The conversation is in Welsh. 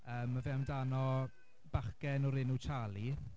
yy ma' fe amdano bachgen o'r enw Charlie.